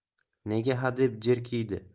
nega hadeb jerkiydi